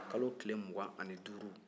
kalo tile mugan ani duuru